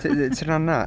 T- t- taranau.